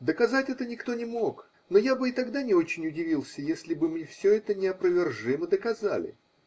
Доказать это никто не мог, но я бы и тогда не очень удивился, если бы мне все это неопровержимо доказали.